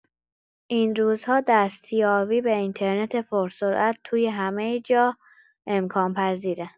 این روزها دستیابی به اینترنت پرسرعت توی همه جا امکان‌پذیره.